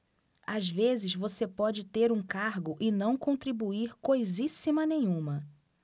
às vezes você pode ter um cargo e não contribuir coisíssima nenhuma